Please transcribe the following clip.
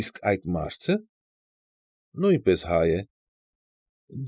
Իսկ այդ մա՞րդը։ ֊ Նույնպես հայ է։ ֊